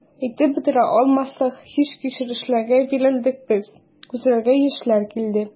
Әйтеп бетерә алмаслык хис-кичерешләргә бирелдек без, күзләргә яшьләр килде.